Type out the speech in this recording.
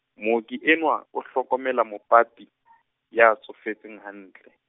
Mooki enwa, o hlokomela mopapi , ya tsofetseng hantle.